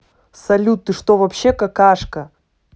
салют ты что вообще какашка